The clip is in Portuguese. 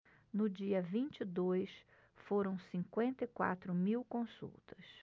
no dia vinte e dois foram cinquenta e quatro mil consultas